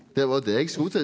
det var det jeg skulle til.